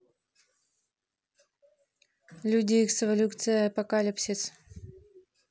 люди икс эволюция апокалипсис